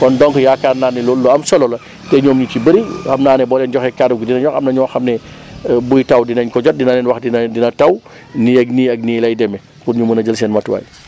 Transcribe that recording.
kon donc yaakaar naa ne loolu lu am solo la te ñoom ñu ci bëri xam naa ne boo leen joxee kaddu gi dinañ wax am na ñoo xam ne buy taw dinañ ko jot dina leen wax dina dina taw nii ak nii ak nii lay demee pour ñu mun a jël seen matuwaay